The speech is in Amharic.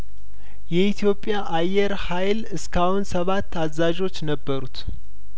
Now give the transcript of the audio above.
የኢትዮጵያ አየር ሀይል እስካሁን ሰባት አዛዦች ነበሩት